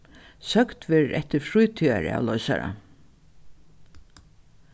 søkt verður eftir frítíðaravloysara